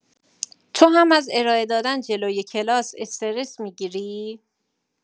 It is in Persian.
تو هم از ارائه دادن جلوی کلاس استرس می‌گیری؟